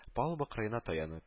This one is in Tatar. Палуба кырыена таянып